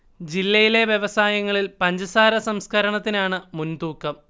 ജില്ലയിലെ വ്യവസായങ്ങളിൽ പഞ്ചസാര സംസ്കരണത്തിനാണ് മുൻതൂക്കം